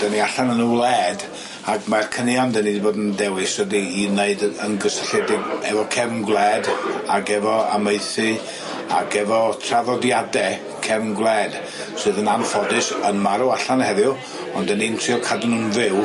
'Dan ni allan yn y wled ac ma'r caneuon 'dyn ni 'di bod yn dewis ydi i wneud y- yn gysylltiedig efo cefn gwled ag efo amaethu ag efo traddodiade cefn gwled sydd yn anffodus yn marw allan heddiw ond 'dyn ni'n trio cadw nw'n fyw.